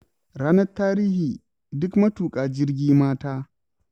RANAR TARIHI - Duk matuƙa jirgi mata